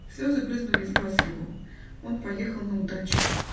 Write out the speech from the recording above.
Слезы брызнули из глаз его; он поехал наудачу.